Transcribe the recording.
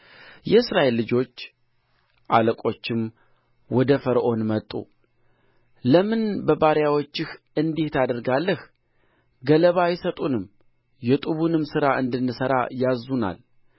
የእስራኤል ልጆች አለቆችም ወደ ፈርዖን መጡ ለምን በባሪያዎችህ እንዲህ ታደርጋለህ ገለባ አይሰጡንም የጡቡንም ሥራ እንድንሠራ ያዝዙናል